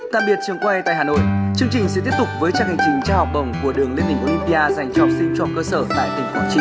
tạm biệt trường quay tại hà nội chương trình sẽ tiếp tục với chặng hành trình trao học bổng của đường lên đỉnh ô lim pi a dành cho học sinh trung học cơ sở tại tỉnh quảng trị